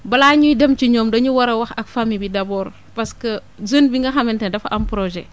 balaa ñuy dem ci ñoom dañu war a wax ak famille bi d' abord parce que jeune bi nga xamante ne dafa am projet